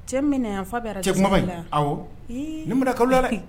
Cɛ cɛ kuma nemina kalo la